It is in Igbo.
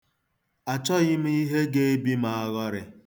Achọghị m ihe ga-ebi m aghọrị.